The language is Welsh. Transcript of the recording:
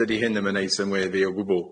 Dydi hynna'm yn neud synweddi o gwbwl.